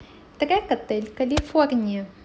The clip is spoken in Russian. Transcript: трек отель калифорния